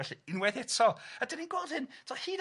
felly unwaith eto, a 'dan ni'n gweld hyn, ti'bod hyd at